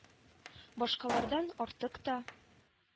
Башкалардан артык та,